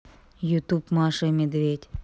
ютуб маша и медведь